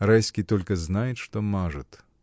Райский только знает, что мажет.